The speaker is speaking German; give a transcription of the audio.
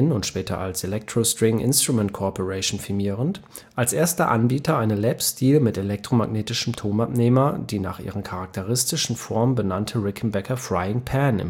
und später als Electro String Instrument Corporation firmierend, als erster Anbieter eine Lap Steel mit elektromagnetischem Tonabnehmer, die nach ihrer charakteristischen Form benannte Rickenbacker Frying Pan